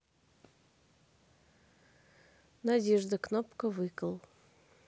надежда кнопка выкл